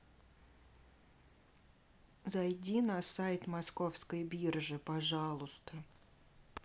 зайди на сайт московской биржи пожалуйста